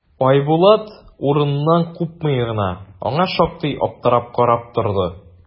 Айбулат, урыныннан купмый гына, аңа шактый аптырап карап ятты.